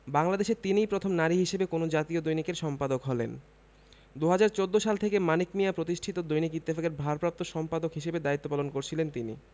বাংলাদেশে তিনিই প্রথম নারী হিসেবে কোনো জাতীয় দৈনিকের সম্পাদক হলেন ২০১৪ সাল থেকে মানিক মিঞা প্রতিষ্ঠিত দৈনিক ইত্তেফাকের ভারপ্রাপ্ত সম্পাদক হিসেবে দায়িত্ব পালন করছিলেন তিনি